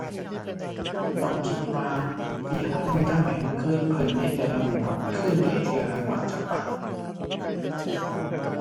ต้องคิดว่าสิหาเงินทางใดมาคืนเพิ่น ในแต่ละงวด คืนได้เทื่อละงวดจักบาท